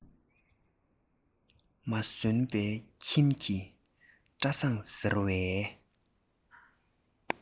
མ སོན པའི ཁྱིམ གྱི བཀྲ བཟང ཟེར བའི